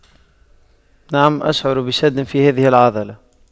نعم اشعر بشد في هذه العضلة